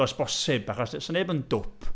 Does bosib, achos does 'na neb yn dwp.